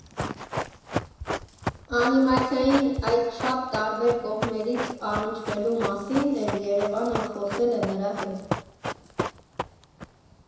Անիմացիային այդչափ տարբեր կողմերից առնչվելու մասին էլ ԵՐԵՎԱՆը խոսել է նրա հետ։